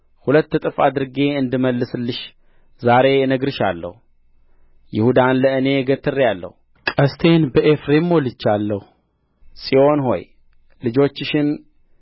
ሁለት እጥፍ አድርጌ እንድመልስልሽ ዛሬ እነግርሻለሁ ይሁዳን ለእኔ ገትሬአለሁ ቀስቱን በኤፍሬም ሞልቼአለሁ ጽዮን ሆይ ልጆችሽን